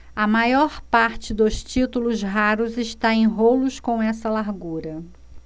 a maior parte dos títulos raros está em rolos com essa largura